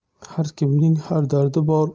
har kimning har dardi bor